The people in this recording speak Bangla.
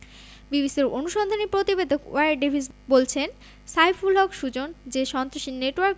বিবিসির অনুসন্ধানী প্রতিবেদক ওয়্যার ডেভিস বলছেন সাইফুল হক সুজন যে সন্ত্রাসী নেটওয়ার্ক